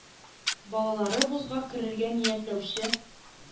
Балалары вузга керергә ниятләүче